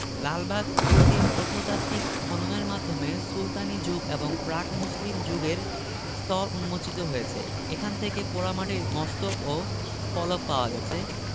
লালবাগ দুর্গে প্রত্নতাত্ত্বিক খননের মাধ্যমে সুলতানি যুগ এবং প্রাক মুসলিম যুগের স্তর উন্মোচিত হয়েছে এখান থেকে পোড়ামাটির মস্তক ও ফলক পাওয়া গেছে